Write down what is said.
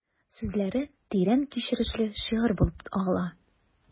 Сүзләре тирән кичерешле шигырь булып агыла...